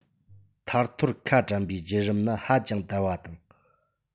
ཐར ཐོར ཁ གྲམ པའི བརྒྱུད རིམ ནི ཧ ཅང དལ བ དང